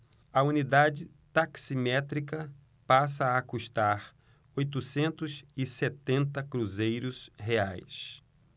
a unidade taximétrica passa a custar oitocentos e setenta cruzeiros reais